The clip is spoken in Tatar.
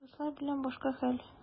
Дуслар белән башка хәл.